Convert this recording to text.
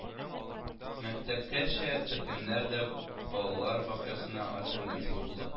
Мәктәпкәчә төркемнәр дә балалар бакчасына альтернатива була